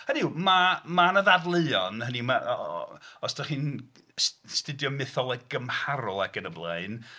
Hynny yw, mae... mae 'na ddadleuon, hynny yw ma- o- os dach chi'n astudio mytholeg gymharol ac yn y blaen...